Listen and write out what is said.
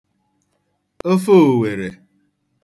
ofe òwèrè